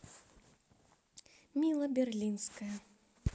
мила берлинская